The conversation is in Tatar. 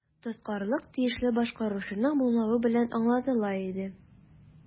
Тоткарлык тиешле башкаручының булмавы белән аңлатыла иде.